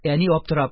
Әни, аптырап: